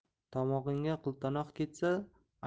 tomog'ingga qiltanoq ketsa